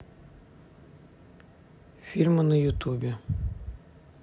фильмы на ютубе